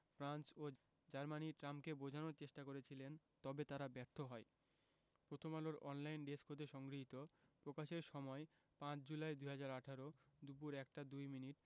France ও Germany ট্রাম্পকে বোঝানোর চেষ্টা করছিলেন তবে তারা ব্যর্থ হয় প্রথমআলোর অনলাইন ডেস্ক হতে সংগৃহীত প্রকাশের সময় ৫ জুলাই ২০১৮ দুপুর ১টা ২মিনিট